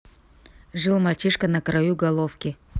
жил мальчишка на краю головки